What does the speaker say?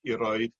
i roi